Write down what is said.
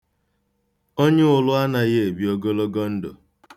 Onye ụlụ anaghị ebi ogologo ndụ.